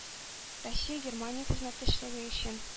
Россия-Германия хезмәттәшлеге өчен